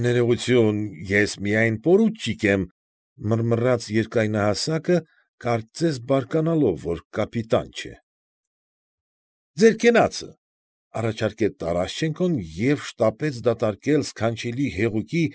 ֊ Ներողություն, ես միայն պորուչիկ եմ,֊ մռմռաց երկայնահասակը, կարծես բարկանալով, որ կապիտան չէ։ ֊ Ձեր կենացը,֊ առաջարկեց Տարաշչենկոն և շտապեց դատարկել սքանչելի հեղուկի։